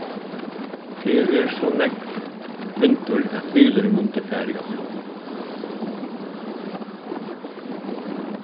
tað er so nógv vindur at bilurin mundi farið á flog